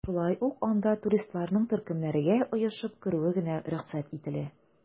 Шулай ук анда туристларның төркемнәргә оешып керүе генә рөхсәт ителә.